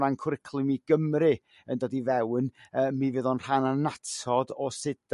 o ran cwricwlwm i Gymru yn dod i fewn yrr mi fydd o'n rhan annatod o sud